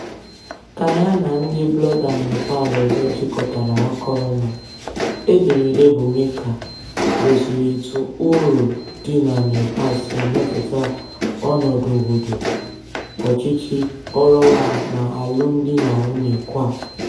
Ka ya na ndị blọga Nepal ọzọ jikọtara aka ọnụ, ederede Bhumika gosiri etu ụrụ dị na Nepal si emetụta ọnọdụ obodo, ọchịchị, ọrụ ọha, na alụmdi na nwunye kwa.